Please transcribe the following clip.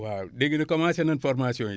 waaw léegi commencé nan formation yi